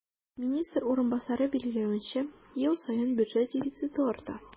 Министр урынбасары билгеләвенчә, ел саен бюджет дефициты арта.